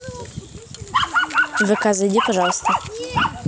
в вк зайди пожалуйста